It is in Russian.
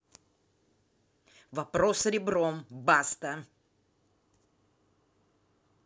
вопрос ребром баста